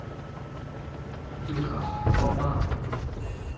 tú kanst koma